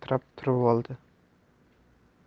oyoq tirab turib oldi